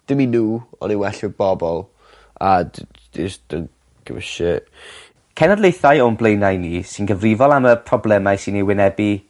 Dim i n'w on' yn well i'r bobol a they jus don't give a shi'. Cenedlaethau o'n blaenau ni sy'n gyfrifol am y problemau sy'n eu wynebu